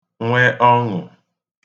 nwe ọṅụ̀